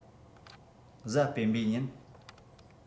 གཟའ སྤེན པའི ཉིན